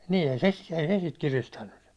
niin ei se ei se sitten kiristänyt